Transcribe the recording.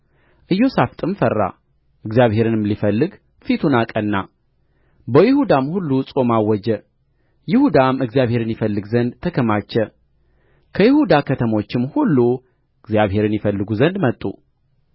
ኢዮሣፍጥም ፈራ እግዚአብሔርንም ሊፈልግ ፊቱን አቀና በይሁዳም ሁሉ ጾም አወጀ ይሁዳም እግዚአብሔርን ይፈልግ ዘንድ ተከማቸ ከይሁዳ ከተሞችም ሁሉ እግዚአብሔርን ይፈልጉ ዘንድ መጡ